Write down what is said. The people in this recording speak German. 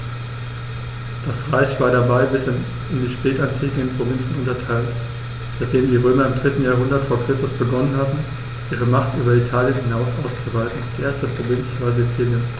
Das Reich war dabei bis in die Spätantike in Provinzen unterteilt, seitdem die Römer im 3. Jahrhundert vor Christus begonnen hatten, ihre Macht über Italien hinaus auszuweiten (die erste Provinz war Sizilien).